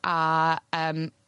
a yym